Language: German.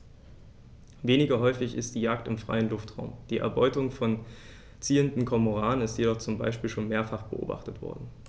Weniger häufig ist die Jagd im freien Luftraum; die Erbeutung von ziehenden Kormoranen ist jedoch zum Beispiel schon mehrfach beobachtet worden.